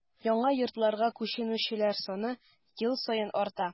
Яңа йортларга күченүчеләр саны ел саен арта.